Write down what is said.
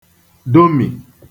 domì